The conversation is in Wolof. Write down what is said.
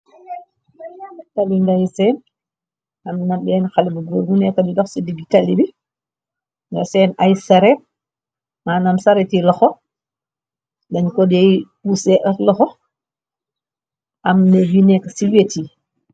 Tali ngai sehnn, amna benah haleh bu gorre bu neka dii dokh cii digi tali bii, nga sehnn aiiy saret manam sareti lokhor, dengh kor dae puseh ak lokhor, am merre yu neka cii wehtii.